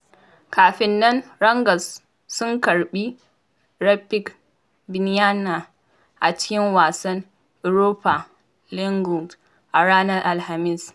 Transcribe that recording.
Kafin nan, Rangers sun karɓi Rapid Vienna a cikin wasan Europa League a ranar Alhamis.